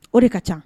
O de ka ca